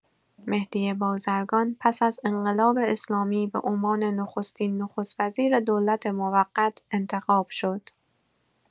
مهدی بازرگان پس از انقلاب اسلامی به عنوان نخستین نخست‌وزیر دولت موقت انتخاب شد.